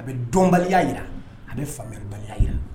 A bɛ dɔnbaliya jira a bɛ fanbali jira